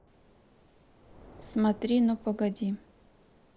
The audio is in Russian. смотри ну погоди